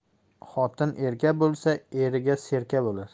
xotin erka bo'lsa eriga serka bo'lar